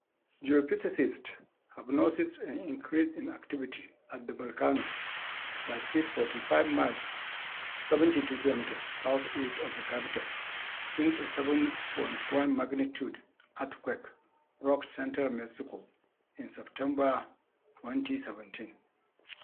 Geophysicists have noticed an increase in activity at the volcano that sits 45 miles (72 kilometers) southeast of the capital since a 7.1-magnitude earthquake rocked central Mexico in September 2017.